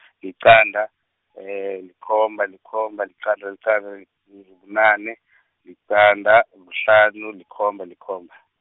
liqanda, likhomba, likhomba, liqanda, liqanda, bunane, liqanda, kuhlanu, likhomba, likhomba.